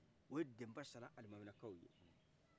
o ye dɛnbasara alimamina kaw ye